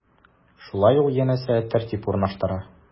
Шулай ул, янәсе, тәртип урнаштыра.